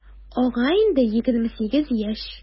Аңа инде 28 яшь.